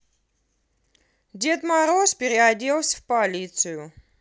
дед мороз переоделся в полицию